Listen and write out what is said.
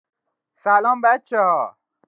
سلام بچه‌ها